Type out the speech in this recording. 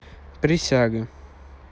присяга